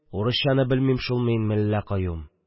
– урысчаны белмим шул мин, мелла каюм..